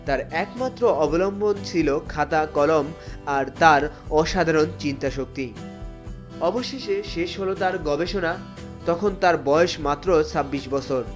তার একমাত্র অবলম্বন ছিল খাতা-কলম আর তার অসাধারণ চিন্তাশক্তি অবশেষে শেষ হল তার গবেষণা তখন তার বয়স মাত্র ২৬ বছর